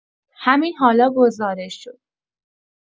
همین حالا گزارش شد.